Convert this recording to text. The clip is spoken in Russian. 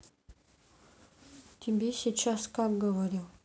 тебе сейчас как говорю